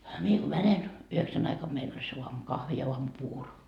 minä kun menen yhdeksän aikana meillä oli se aamukahvi ja aamupuuro